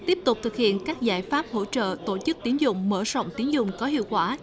tiếp tục thực hiện các giải pháp hỗ trợ tổ chức tín dụng mở rộng tín dụng có hiệu quả